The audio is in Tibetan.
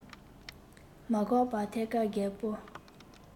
མ བཞག པར ཐད ཀར རྒད པོ